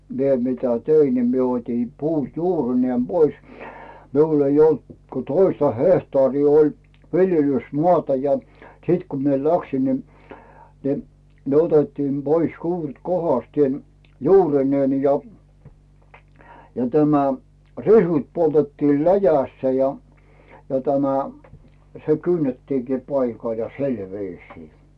minä mitä tein niin minä otin puu juurineen pois minulla ei ollut kuin toista hehtaaria oli viljelysmaata ja sitten kun minä lähdin niin niin ne otettiin pois juuret kohdasteen juurineen ja ja tämä risut poltettiin läjässä ja ja tämä se kynnettiinkin paikalla ja sillä viisiin